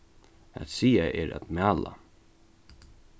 at siga er at mæla